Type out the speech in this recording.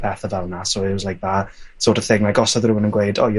pethe fel 'na so it was like that sort of ling like os odd rywun yn gweud oh you're